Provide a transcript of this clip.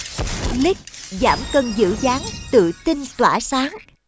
lích giảm cân giữ dáng tự tin tỏa sáng